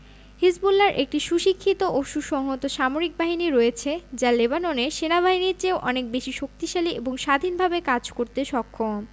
হিজবুল্লাহর একটি সুশিক্ষিত ও সুসংহত সামরিক বাহিনী রয়েছে যা লেবাননের সেনাবাহিনীর চেয়েও অনেক বেশি শক্তিশালী এবং স্বাধীনভাবে কাজ করতে সক্ষম